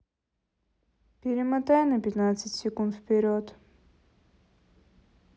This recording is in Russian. перемотай на пятнадцать секунд вперед